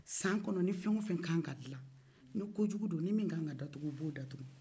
san kɔnɔ ni fɛn o fɛn ka kan ka dilan ni ko jugu ni min ka kan datugu o b'o datugu